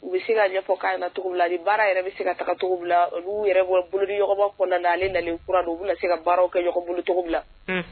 U bɛ se ka ɲɛfɔ k' na bila ni baara yɛrɛ bɛ se ka taga cogo bila olu yɛrɛ bɔ bolo niba kɔnɔna na ale na kura don u bɛ na se ka baaraw kɛ bolo cogo bila